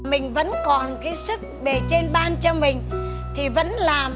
mình vẫn còn cái sức bề trên ban cho mình thì vẫn làm